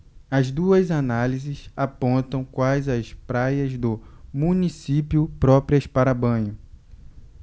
as duas análises apontam quais as praias do município próprias para banho